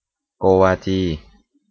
โกวาจี